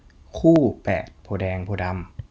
คู่แปดโพธิ์แดงโพธิ์ดำ